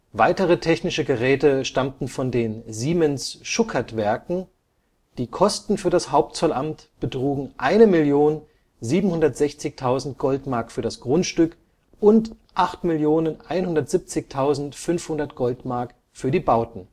weitere technische Geräte stammten von den Siemens-Schuckertwerken. Die Kosten für das Hauptzollamt betrugen 1.760.000 Goldmark für das Grundstück und 8.170.500 Goldmark für die Bauten